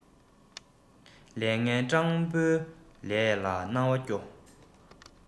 ལས ངན སྤྲང པོའི ལས ལ སྣང བ སྐྱོ